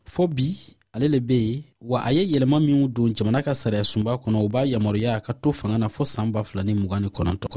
fo bi ale de bɛ yen wa a ye yɛlɛma minw don jamana ka sariyasunba kɔnɔ o b'a yamaruya a ka to fanga na fo san 2029